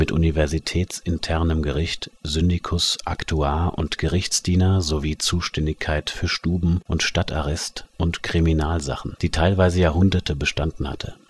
universitätsinternem Gericht, Syndikus, Aktuar und Gerichtsdiener sowie Zuständigkeit für Stuben - und Stadtarrest und Kriminalsachen), die teilweise Jahrhunderte bestanden hatte